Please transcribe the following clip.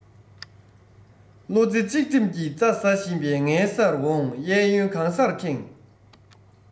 བློ རྩེ གཅིག སྒྲིམ གྱིས རྩྭ ཟ བཞིན ངའི སར འོང གཡས གཡོན གང སར ཁེངས